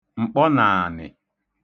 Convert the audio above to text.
m̀kpọnàànị̀